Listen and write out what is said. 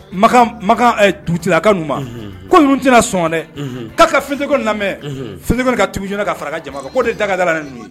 Makan makan ɛ dugutigilaka ninnu ma. Unhun. Ko ninnu tɛ na sɔn dɛ. Unhun. K'a ka Fɛntekɔne lamɛn. Unhun. Fɛntekɔne ka tuubi joona ka fara a ka jama kan, k'o de da ka d'a la